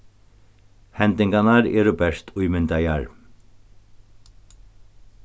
hendingarnar eru bert ímyndaðar